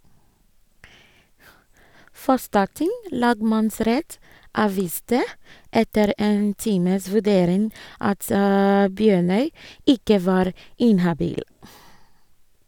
Frostating lagmannsrett avviste etter en times vurdering at Bjørnøy ikke var inhabil.